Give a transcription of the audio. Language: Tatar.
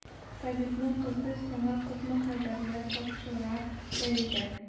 Табибның кызы сиңа күпме хәбәрләр тапшыра, Фәридә!